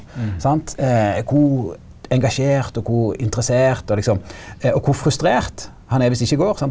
sant kor engasjert og kor interessert og liksom og kor frustrert han er viss det ikkje går sant.